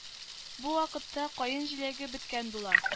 Бу вакытта каен җиләге беткән була